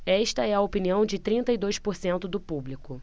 esta é a opinião de trinta e dois por cento do público